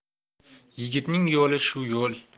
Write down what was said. yigitning yo'li shu yo'l